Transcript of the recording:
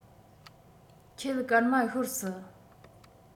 ཁྱེད སྐར མ ཤོར སྲིད